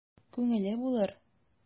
Күңеле булыр...